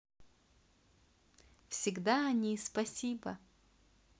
всегда они спасибо